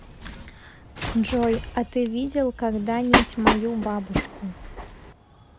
джой а ты видел когда нить мою бабушку